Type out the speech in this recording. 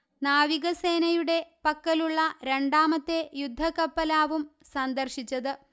നാവിക സേനയുടെ പക്കലുള്ള രണ്ടാമത്തെ യുദ്ധക്കപ്പലാവും സന്ദര്ശിച്ചത്